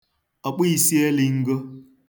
ọ̀kpụīsīelīn̄gō